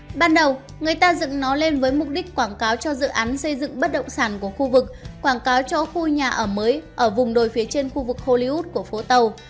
ban đầu người ta dựng nó lên với mục đích quảng cáo cho dự án xây dựng bất động sản của khu vực quảng cáo cho khu nhà ở mới ở vùng đồi phía trên khu vực hollywood của phố tàu